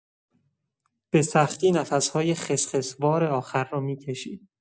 به‌سختی نفس‌های خس‌خس‌وار آخر را می‌کشید.